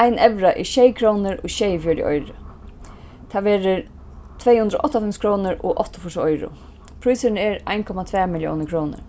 ein evra er sjey krónur og sjeyogfjøruti oyru tað verður tvey hundrað og áttaoghálvfems krónur og áttaogfýrs oyru prísurin er ein komma tvær milliónir krónur